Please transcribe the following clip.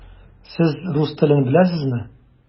Сез рус телен беләсезме?